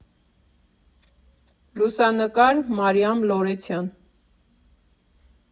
Լուսանկար՝ Մարիամ Լորեցյան։